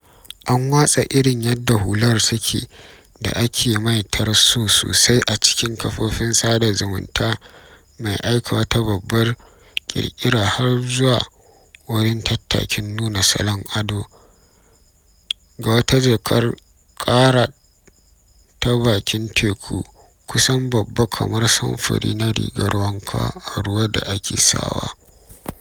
An watsa irin yadda hular take da ake maitar so sosai a cikin kafofin sada zumunta mai aika wata babbar kirkira har zuwa wurin tattakin nuna salon ado - ga wata jakar kara ta bakin teku kusan babba kamar samfuri na rigar wanka a ruwa da ake sawa.